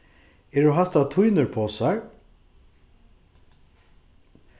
eru hatta tínir posar